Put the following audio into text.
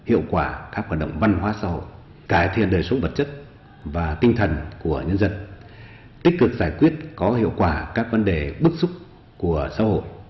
hiệu quả các hoạt động văn hóa xã hội cải thiện đời sống vật chất và tinh thần của nhân dân tích cực giải quyết có hiệu quả các vấn đề bức xúc của xã hội